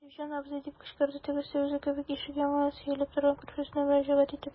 Шәрифҗан абзый, - дип кычкырды тегесе, үзе кебек ишек яңагына сөялеп торган күршесенә мөрәҗәгать итеп.